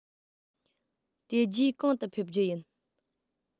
དེ རྗེས གང དུ ཕེབས རྒྱུ ཡིན